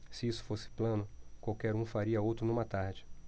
se isso fosse plano qualquer um faria outro numa tarde